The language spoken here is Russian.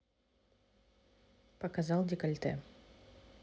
показал декольте